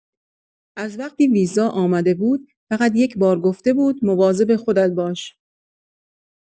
از وقتی ویزا آمده بود، فقط یک‌بار گفته بود: مواظب خودت باش.